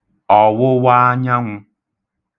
ọ̀wụwaanyanwụ̄